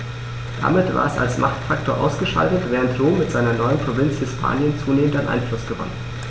Damit war es als Machtfaktor ausgeschaltet, während Rom mit seiner neuen Provinz Hispanien zunehmend an Einfluss gewann.